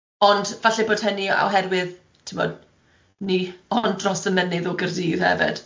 Ond falle bod hynny oherwydd, timod, ni ond dros y mynydd o Gaerdydd hefyd.